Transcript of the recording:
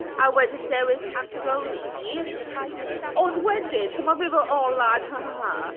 a wedyn dewis Antigone. Ond wedyn, tibod ma fe fel "Oh lad hahaha."